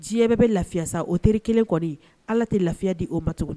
Diɲɛ bɛ lafiyasa o teri kelen kɔni ala tɛ lafiya di o macogo